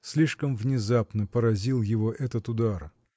слишком внезапно поразил его этот удар.